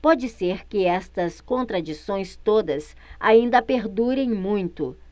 pode ser que estas contradições todas ainda perdurem muito